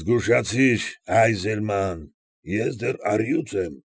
Զգուշացիր, Այզելման, ես դեռ առյուծ եմ։